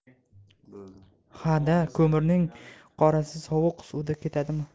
hada ko'mirning qorasi sovuq suvga ketadimi